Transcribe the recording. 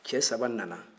cɛ saba nana